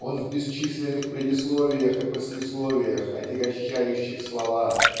он в бесчисленных предисловиях и послесловиях отягощающих слова